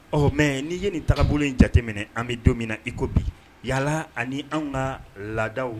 Ɔ mɛ'i ye nin taabolo bolo in jateminɛ an bɛ don min na iko bi yalala ani an ka laadaw